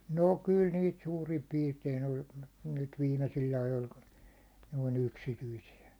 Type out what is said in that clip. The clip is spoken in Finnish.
no kyllä niitä suurin piirtein oli nyt viimeisillä ajoilla kun ne on yksityisiä